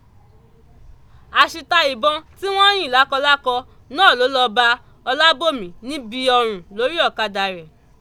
Àṣìta ìbọn tí wọ́n ń yìn lákọlákọ náà ló lọ́ bá Ọlábòmí níbi ọrùn lórí ọ̀kadà rẹ̀.